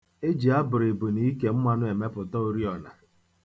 E ji abụrịbụ na ike mmanụ emepụta oriọna.